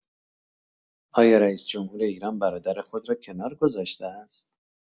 آیا رئیس‌جمهور ایران برادر خود را کنار گذاشته است؟